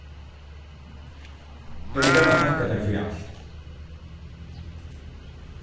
eg vil gjarna takka tær fyri alt